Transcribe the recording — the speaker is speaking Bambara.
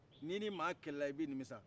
n'i ni maa kɛlɛla i bɛ nimisa